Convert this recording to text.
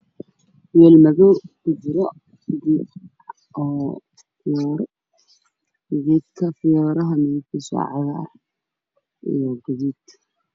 World madow ku jiro geedka fiyaaraha waa cagaar iyooraha weelka waa madow